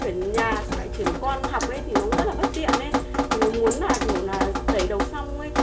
chuyển nhà xong lại chuyển con học ấy thì nó cũng rất là bất tiện ấy thì muốn là kiểu là tẩy độc xong